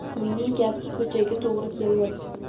uyning gapi ko'chaga to'g'ri kelmas